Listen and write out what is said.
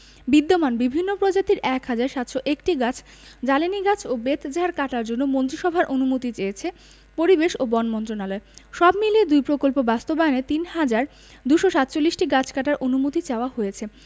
বিদ্যমান বিভিন্ন প্রজাতির ১ হাজার ৭০১টি গাছ জ্বালানি গাছ ও বেতঝাড় কাটার জন্য মন্ত্রিসভার অনুমতি চেয়েছে পরিবেশ ও বন মন্ত্রণালয় সব মিলিয়ে দুই প্রকল্প বাস্তবায়নে ৩হাজার ২৪৭টি গাছ কাটার অনুমতি চাওয়া হয়েছে